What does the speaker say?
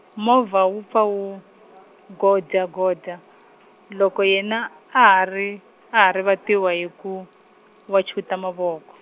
movha wu pfa wu, godya godya, loko yena a ha ri a ha rivatiwa hi ku, wachuta mavoko.